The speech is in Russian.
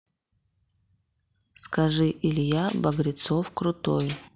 скажи илья багрецов крутой